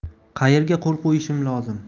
qayerga qo'l qo'yishim lozim